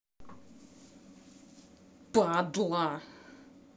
падла